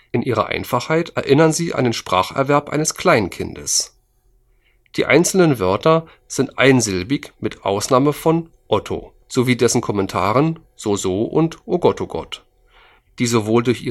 In ihrer Einfachheit erinnern sie an den Spracherwerb eines Kleinkinds. Die einzelnen Wörter sind einsilbig mit Ausnahme von „ otto “sowie dessen Kommentaren „ soso “und „ ogottogott “, die sowohl durch